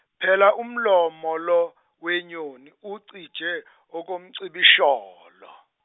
phela umlomo lo wenyoni ucije okomcibisholo.